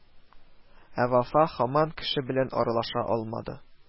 Ә Вафа һаман кеше белән аралаша алмады